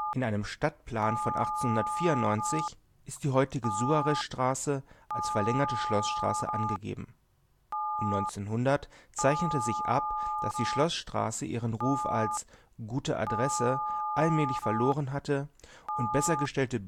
In einem Stadtplan von 1894 ist die heutige Suarezstraße als verlängerte Schloßstraße angegeben. Um 1900 zeichnete sich ab, dass die Schloßstraße ihren Ruf als „ gute Adresse “allmählich verloren hatte und besser gestellte